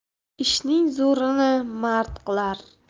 ishning zo'rini mard qilar